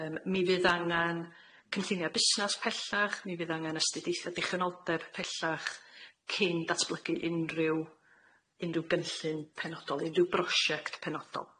Yym mi fydd angan cynllunia busnas pellach, mi fydd angan ystedeitha dychynoldeb pellach cyn datblygu unrhyw unrhyw gynllun penodol unrhyw brosiect penodol.